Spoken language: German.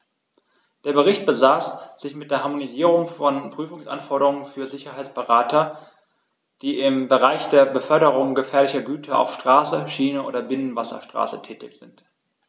Der Bericht befasst sich mit der Harmonisierung von Prüfungsanforderungen für Sicherheitsberater, die im Bereich der Beförderung gefährlicher Güter auf Straße, Schiene oder Binnenwasserstraße tätig sind.